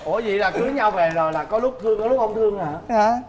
ủa dậy là cưới nhau về rồi là có lúc thương có lúc không thương hả